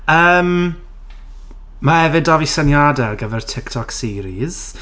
Yym mae hefyd 'da fi syniadau ar gyfer TikTok series.